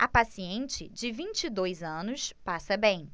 a paciente de vinte e dois anos passa bem